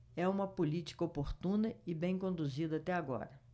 é uma política oportuna e bem conduzida até agora